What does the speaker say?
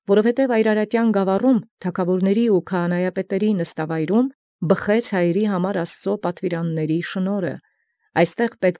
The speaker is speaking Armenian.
Քանզի յԱյրարատեան գաւառին՝ ի կայս թագաւորացն և քահանայապետացն, բղխեցին Հայոց շնորհք պատուիրանացն Աստուծոյ։